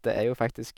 Det er jo faktisk...